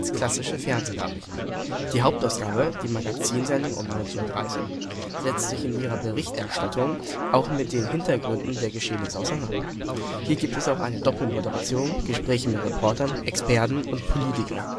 klassische Fernsehnachrichten. Die Hauptausgabe, die Magazinsendung um 19:30 Uhr setzt sich in ihrer Berichterstattung auch mit den Hintergründen der Geschehnisse auseinander. Hier gibt es auch eine Doppelmoderation, Gespräche mit Reportern, Experten oder Politikern